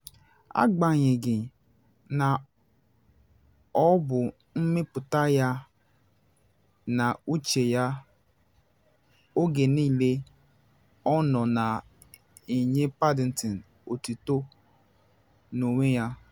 Agbanyeghị na ọ bụ mmepụta ya na uche ya, oge niile ọ nọ na enye Paddington otito n’onwe ya.”